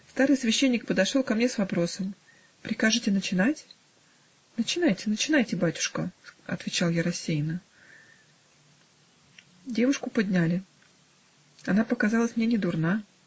Старый священник подошел ко мне с вопросом: "Прикажете начинать?" -- "Начинайте, начинайте, батюшка", -- отвечал я рассеянно. Девушку подняли. Она показалась мне недурна.